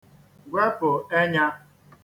gwepụ̀ enyā